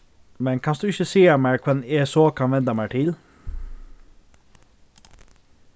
men kanst tú ikki siga mær hvønn eg so kann venda mær til